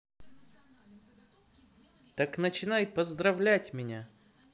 так начинай поздравлять меня